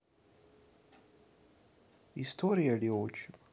история ли отчим